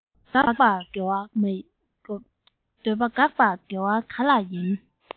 འདོད པ འགོག པ དགེ བ ག ལ ཡིན